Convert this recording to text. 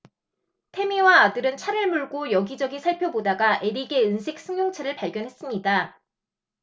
태미와 아들은 차를 몰고 여기 저기 살펴보다가 에릭의 은색 승용차를 발견했습니다